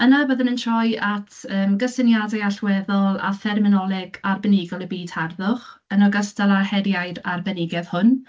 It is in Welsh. Yna byddwn yn troi at, yym, gysyniadau allweddol a therminoleg arbenigol y byd harddwch, yn ogystal â heriau'r arbenigedd hwn.